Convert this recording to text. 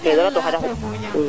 ina ngoxan fo xa ɓay in